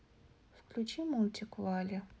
включи мультик валли